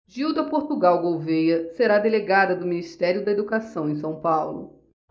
gilda portugal gouvêa será delegada do ministério da educação em são paulo